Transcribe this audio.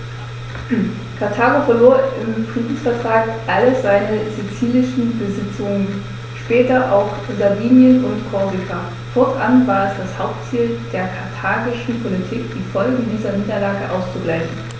Karthago verlor im Friedensvertrag alle seine sizilischen Besitzungen (später auch Sardinien und Korsika); fortan war es das Hauptziel der karthagischen Politik, die Folgen dieser Niederlage auszugleichen.